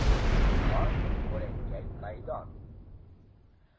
o'zing xon qo'lankang maydon